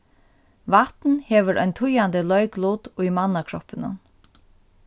vatn hevur ein týðandi leiklut í mannakroppinum